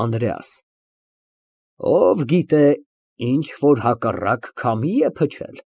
ԱՆԴՐԵԱՍ ֊ Ով գիտե, ինչ որ հակառակ քամի է փչել։